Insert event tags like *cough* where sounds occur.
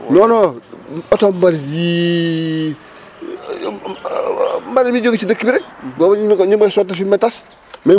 non non oto mbalit yii *hesitation* mbalit mi jógee si dëkk bi rek *